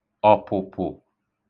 ọ̀pụ̀pụ̀